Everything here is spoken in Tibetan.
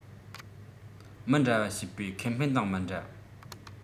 མི འདྲ བ བྱེད པོའི ཁེ ཕན དང མི འདྲ